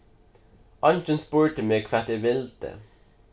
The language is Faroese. eingin spurdi meg hvat eg vildi